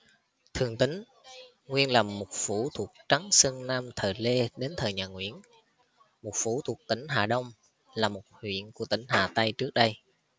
thường tín nguyên là một phủ thuộc trấn sơn nam thời lê đến thời nhà nguyễn một phủ thuộc tỉnh hà đông là một huyện của tỉnh hà tây trước đây